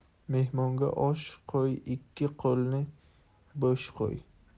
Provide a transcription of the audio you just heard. mehmonga osh qo'y ikki qo'lini bo'sh qo'y